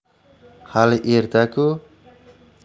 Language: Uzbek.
hali erta ku